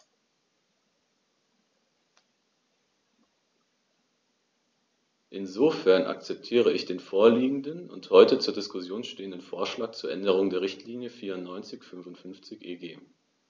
Insofern akzeptiere ich den vorliegenden und heute zur Diskussion stehenden Vorschlag zur Änderung der Richtlinie 94/55/EG.